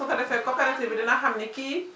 bu ko defee coopérative bi dina xam ni kii